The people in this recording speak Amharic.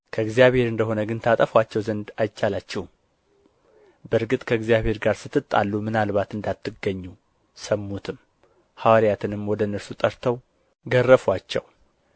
ከእግዚአብሔር እንደ ሆነ ግን ታጠፉአቸው ዘንድ አይቻላችሁም በእርግጥ ከእግዚአብሔር ጋር ስትጣሉ ምናልባት እንዳትገኙ ሰሙትም ሐዋርያትንም ወደ እነርሱ ጠርተው ገረፉአቸው